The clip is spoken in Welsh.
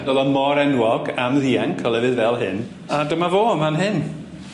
O'dd o mor enwog am ddianc o lefydd fel hyn, a dyma fo yn fan hyn.